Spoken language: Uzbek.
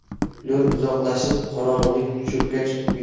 nur uzoqlashib qorong'ilik cho'kkach